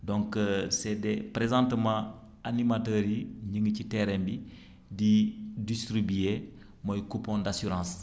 donc c' est des présentement animateurs yi ñu ngi ci terrain bi di distribuer mooy coupon d' assurance